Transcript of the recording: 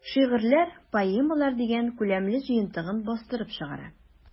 "шигырьләр, поэмалар” дигән күләмле җыентыгын бастырып чыгара.